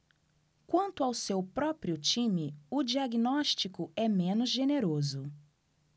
quanto ao seu próprio time o diagnóstico é menos generoso